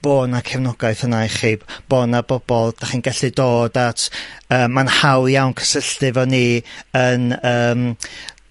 Bo' 'na cefnogaeth yna i chi bo' 'na bobol 'dach chi'n gallu dod at yy ma'n haw iawn cysylltu 'fo ni yn yym